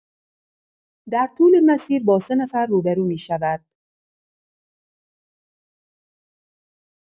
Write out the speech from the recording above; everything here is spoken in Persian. در طول مسیر با سه نفر روبه‌رو می‌شود؛